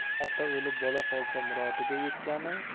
ota o'lib bola qolsa murodiga yetgani